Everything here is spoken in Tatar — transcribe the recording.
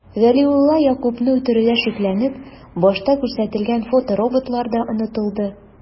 Вәлиулла Ягъкубны үтерүдә шикләнеп, башта күрсәтелгән фотороботлар да онытылды...